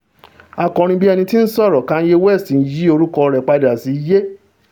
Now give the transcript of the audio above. Akọrinbíẹnití-ńsọ̀rọ̀ Kanye West ń yí orúkọ rẹ̀ padà - sí Ye.